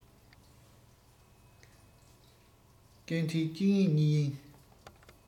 སྐད འཕྲིན གཅིག གཡེང གཉིས གཡེང